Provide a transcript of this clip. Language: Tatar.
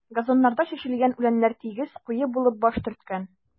Газоннарда чәчелгән үләннәр тигез, куе булып баш төрткән.